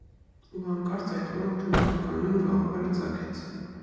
Ու հանկարծ այդ օրը օդանավակայանում գաղափարը ծագեց.